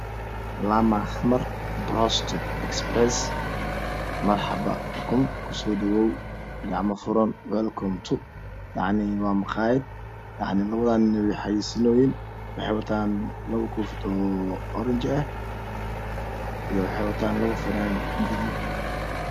lamaha xamar borosto ekis barees marxaba bikum kuso dhowow gacma furan welcom tu yacni wamaqaayad labadan nin wey xayesinoyin waxey watan laba kofi oo oranji eh iyo waxey watan labo funaanad gudud